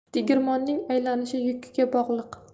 tegirmonning aylanishi yukiga bog'liq